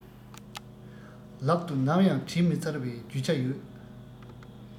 ལག ཏུ ནམ ཡང བྲིས མི ཚར བའི རྒྱུ ཆ ཡོད